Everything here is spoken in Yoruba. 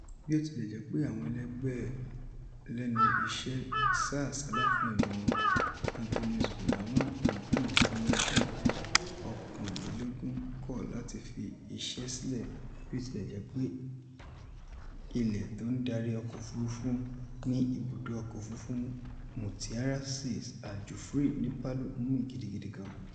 Bí ó tilẹ̀ jẹ́ pé àwọn ẹlẹgbẹ́ ẹ̀ lẹ́nu iṣẹ́ sá àsálà fún ẹ̀mí wọn, Anthonius Gunawan Agung, ọmọ ọdún oókanlélógún (21) kọ̀ láti fi iṣẹ́ ẹ̀ sílẹ̀ bí ó tilẹ̀ jẹ́ pé ilé tó ń darí ọkọ̀-òfúrufú ní ibùdó ọkọ-òfúrufú Mutiara Sis Al Jufri ní Palu ń mì gidi gan-an.